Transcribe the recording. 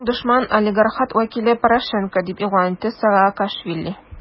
Безнең дошман - олигархат вәкиле Порошенко, - дип игълан итте Саакашвили.